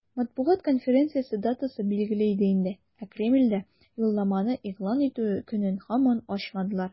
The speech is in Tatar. Матбугат конференциясе датасы билгеле иде инде, ә Кремльдә юлламаны игълан итү көнен һаман ачмадылар.